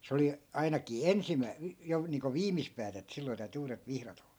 se oli ainakin - jo niin kuin viimis päätä että silloin täytyi uudet vihdat olla